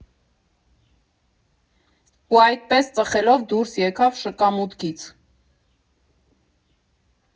Ու այդպես, ծխելով դուրս եկավ շքամուտքից։